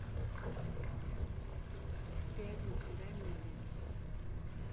в пятницу дай мне блять